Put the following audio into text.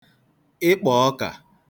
ịkpọ̀ọkà